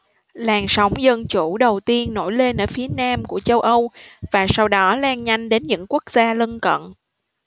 làn sóng dân chủ đầu tiên nổi lên ở phía nam của châu âu và sau đó lan nhanh đến những quốc gia lân cận